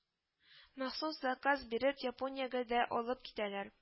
Махсус заказ биреп Япониягә дә алып китәләр - ди